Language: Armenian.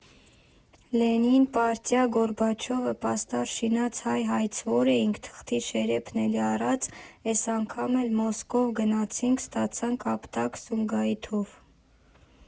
«Լենին֊պարտիա֊գորբաչով»֊ը պաստառ շինած հայ հայցվոր էինք, թղթի շերեփն էլի առած՝ էս անգամ էլ Մոսկով գնացինք, ստացանք ապտակ Սումգայիթով։